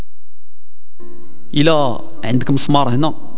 الي عندك مسمار هنا